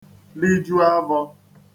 liju avọ̄